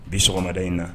Bi sɔgɔmada in na